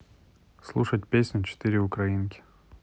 слушать песню четыре украинки